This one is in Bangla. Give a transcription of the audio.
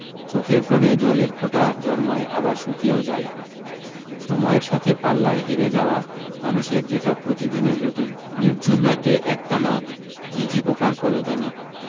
চোখের কোনে জলের ফোঁটা জন্মায় আবার শুকিয়েও যায় সময়ের সাথে পাল্লায় হেরে যাওয়া মানুষের যেটা প্রতিদিনের রুটিন নির্ঝুম রাতে একটানা ঝিঁ ঝিঁ পোকার কলতানি